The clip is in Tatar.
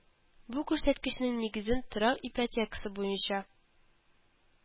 Бу күрсәткечнең нигезен торак ипотекасы буенча